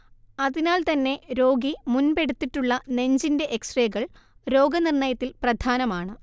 അതിനാൽ തന്നെ രോഗി മുൻപെടുത്തിട്ടുള്ള നെഞ്ചിന്റെ എക്സ്റേകൾ രോഗനിർണയത്തിൽ പ്രധാനമാണ്‌